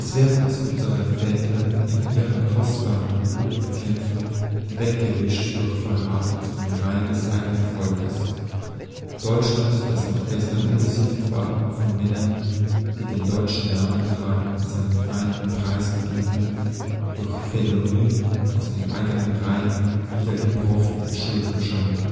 Werk, das unsere Väter mit ihrem kostbaren Blute erkämpft – weggewischt durch Verrat aus den Reihen des eigenen Volkes! Deutschland, das noch gestern unbesiegt war, von Männern, die den deutschen Namen tragen, seinen Feinden preisgegeben, durch Felonie aus den eigenen Reihen niedergebrochen in Schuld und Schande